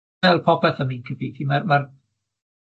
Fel popeth ym myd cyfieithu, mae'r ma'r